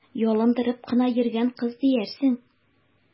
Ялындырып кына йөргән кыз диярсең!